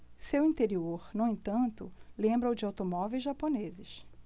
seu interior no entanto lembra o de automóveis japoneses